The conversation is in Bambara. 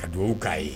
Ka dugawu k'a ye